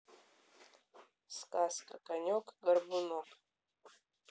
сказка конек горбунок